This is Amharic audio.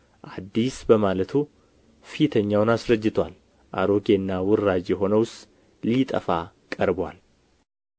አዲስ በማለቱ ፊተኛውን አስረጅቶአል አሮጌና ውራጅ የሆነውስ ሊጠፋ ቀርቦአል